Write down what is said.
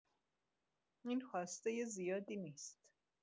این خواسته زیادی نیست.